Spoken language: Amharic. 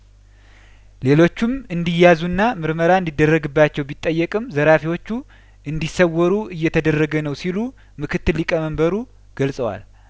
ሌሎቹም እንዲያዙና ምርመራ እንዲደረግባቸው ቢጠየቅም ዘራፊዎቹ እንዲሰወሩ እየተደረገ ነው ሲሉምክትል ሊቀመንበሩ ገልጸዋል